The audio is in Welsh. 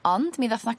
Ond mi ddath 'na